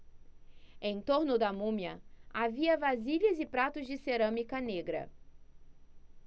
em torno da múmia havia vasilhas e pratos de cerâmica negra